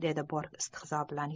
dedi bork istehzo bilan